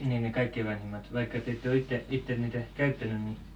niin ne kaikkein vanhimmat vaikka te ette ole itse itse niitä käyttänyt niin